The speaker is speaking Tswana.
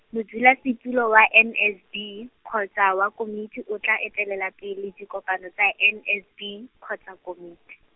modulasetulo wa N S B, kgotsa wa komiti o tla etelelapele dikopano tsa N S B, kgotsa komiti.